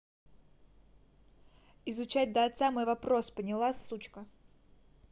изучать до отца мой вопрос поняла сучка